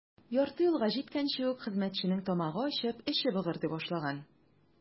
Ярты юлга җиткәнче үк хезмәтченең тамагы ачып, эче быгырдый башлаган.